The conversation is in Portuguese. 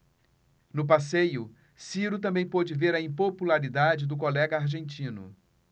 no passeio ciro também pôde ver a impopularidade do colega argentino